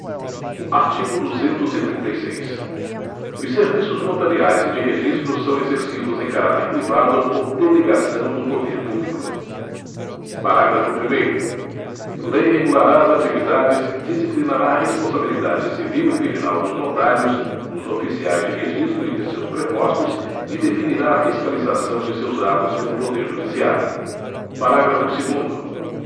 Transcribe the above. artigo duzentos e trinta e seis os serviços notariais e de registro são exercidos em caráter privado por delegação do poder público parágrafo primeiro lei regulará as atividades disciplinará a responsabilidade civil e criminal dos notários dos oficiais de registro e de seus prepostos e definirá a fiscalização de seus atos pelo poder judiciário parágrafo segundo